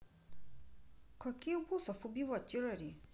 каких боссов убивать в терарии